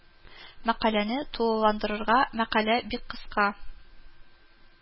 Мәкаләне тулыландырырга мәкалә бик кыска